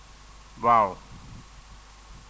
waaw